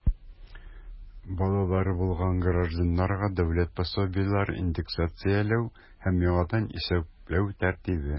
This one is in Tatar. Балалары булган гражданнарга дәүләт пособиеләрен индексацияләү һәм яңадан исәпләү тәртибе.